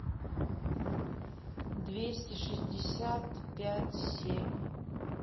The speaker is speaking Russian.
двести шестьдесят пять семь